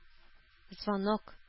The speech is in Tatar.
Звонок